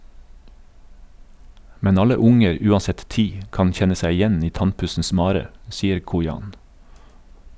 - Men alle unger uansett tid kan kjenne seg igjen i tannpussens mare, sier Kojan.